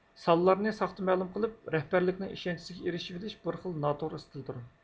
سانلارنى ساختا مەلۇم قىلىپ رەھبەرلىكنىڭ ئىشەنچىسىگە ئېرىشىۋېلىش بىر خىل ناتوغرا ئىستىلدۇر